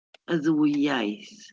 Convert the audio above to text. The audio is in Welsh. Y ddwy iaith.